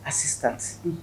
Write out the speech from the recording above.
A sisan sigi